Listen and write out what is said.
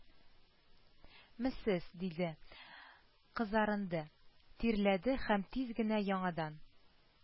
Месез» диде, кызарынды, тирләде һәм тиз генә яңадан